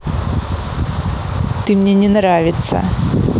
ты мне не нравиться